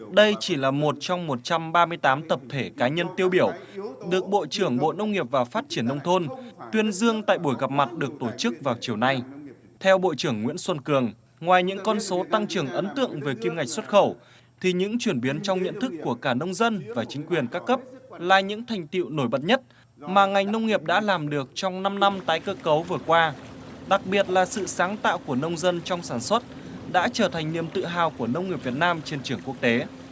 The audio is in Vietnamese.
đây chỉ là một trong một trăm ba mươi tám tập thể cá nhân tiêu biểu được bộ trưởng bộ nông nghiệp và phát triển nông thôn tuyên dương tại buổi gặp mặt được tổ chức vào chiều nay theo bộ trưởng nguyễn xuân cường ngoài những con số tăng trưởng ấn tượng về kim ngạch xuất khẩu thì những chuyển biến trong nhận thức của cả nông dân và chính quyền các cấp là những thành tựu nổi bật nhất mà ngành nông nghiệp đã làm được trong năm năm tái cơ cấu vừa qua đặc biệt là sự sáng tạo của nông dân trong sản xuất đã trở thành niềm tự hào của nông nghiệp việt nam trên trường quốc tế